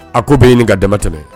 A ko bɛ ɲini ɲininka ka damatɛ